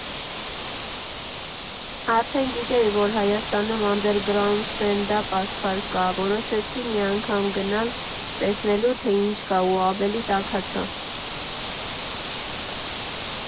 Արդեն գիտեի, որ Հայաստանում անդերգրաունդ ստենդափ աշխարհ կա, որոշեցի մի անգամ գնալ տեսնելու, թե ինչ կա ու ավելի տաքացա։